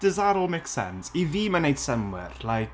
Does that all make sense? I fi mae'n wneud synnwyr like.